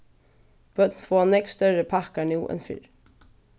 børn fáa nógv størri pakkar nú enn fyrr